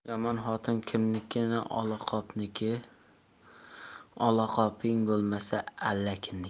yomon xotin kimniki olaqopniki olaqoping bo'lmasa allakimniki